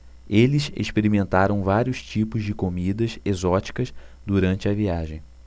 eles experimentaram vários tipos de comidas exóticas durante a viagem